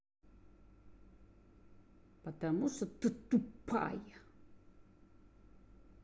потому что ты тупая